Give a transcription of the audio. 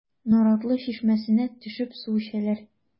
Наратлы чишмәсенә төшеп су эчәләр.